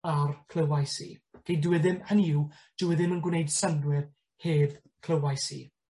ar clywais i. Oce dyw e ddim, hynny yw dyw e ddim yn gwneud synwyr heb clywais i.